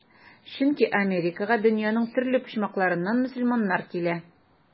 Чөнки Америкага дөньяның төрле почмакларыннан мөселманнар килә.